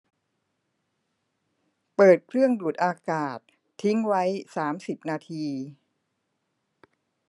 เปิดเครื่องดูดอากาศทิ้งไว้สามสิบนาที